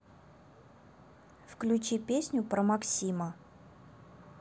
включи песню про максима